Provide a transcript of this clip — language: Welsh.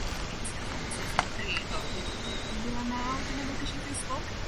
pan o'n i tua form two form three 'do dw- dy- dwy fil a naw dwi meddwl gesh i Facebook